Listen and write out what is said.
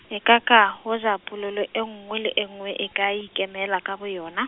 ekaka hoja polelo e nngwe le e nngwe e ka ikemela ka boyona.